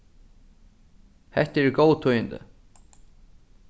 hetta eru góð tíðini